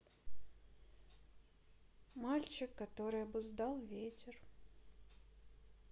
мальчик который обуздал ветер